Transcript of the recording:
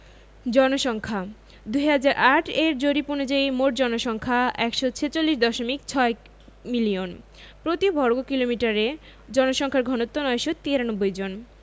জনসংখ্যাঃ ২০০৮ এর জরিপ অনুযায়ী মোট জনসংখ্যা ১৪৬দশমিক ৬ মিলিয়ন প্রতি বর্গ কিলোমিটারে জনসংখ্যার ঘনত্ব ৯৯৩ জন